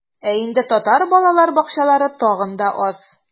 Ә инде татар балалар бакчалары тагын да аз.